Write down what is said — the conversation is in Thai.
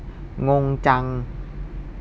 งงจัง